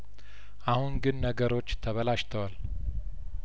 አሁን ግን ነገሮች ተበላሽተዋል